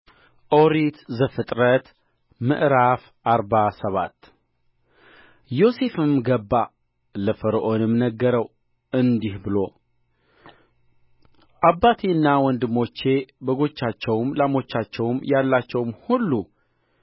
ኦሪት ዘፍጥረት ምዕራፍ አርባ ሰባት ዮሴፍም ገባ ለፈርዖንም ነገረው እንዲህ ብሎ አባቴና ወንድሞቼ በጎቻቸውም ላሞቻቸውም ያላቸውም ሁሉ